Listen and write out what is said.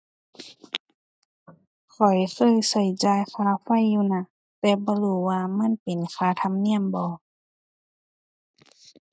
ข้อยเคยใช้จ่ายค่าไฟอยู่นะ แต่บ่รู้ว่ามันเป็นค่าธรรมเนียมบ่